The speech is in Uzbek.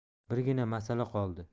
birgina masala qoldi